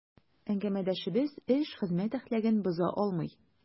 Әңгәмәдәшебез эш, хезмәт әхлагын боза алмый.